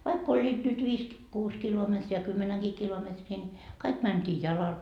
vaikka olivat nyt viisi - kuusi kilometriä ja kymmenenkin kilometriä niin kaikki mentiin jalalla